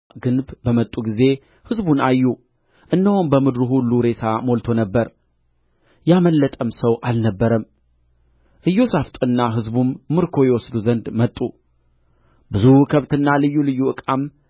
ግንብ በመጡ ጊዜ ሕዝቡን አዩ እነሆም በምድሩ ሁሉ ሬሳ ሞልቶ ነበር ያመለጠም ሰው አልነበረም ኢዮሣፍጥና ሕዝቡም ምርኮ ይወስዱ ዘንድ መጡ ብዙ ከብትና ልዩ ልዩ ዕቃም